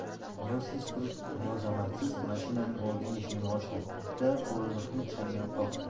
niyoz hech bir mulozamatsiz mashinaning oldingi eshigini ochdi da o'rindiqning changini qoqdi